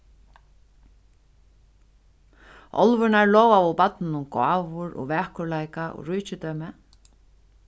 álvurnar lovaðu barninum gávur og vakurleika og ríkidømi